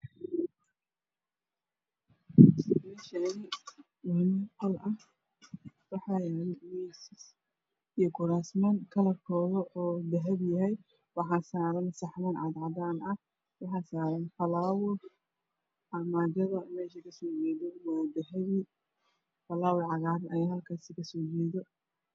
Meeshaan waa meel qol ah waxaa yaalo kuraasman iyo miisas kalarkoodu waa dahabi. Waxaa saaran saxaman cadaan ah iyo falaawar. Armaajaduna waa dahabi, falaawar cagaaran ayaa halkaas kasoo jeeda.